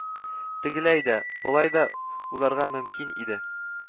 Тегеләй дә, болай да уйларга мөмкин иде